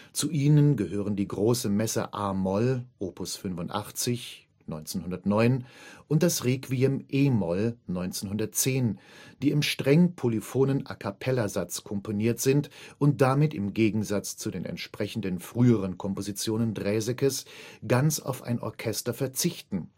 Zu ihnen gehören die Große Messe a-Moll op. 85 (1909) und das Requiem e-Moll (1910), die im streng polyphonen A-cappella-Satz komponiert sind und damit im Gegensatz zu den entsprechenden früheren Kompositionen Draesekes ganz auf ein Orchester verzichten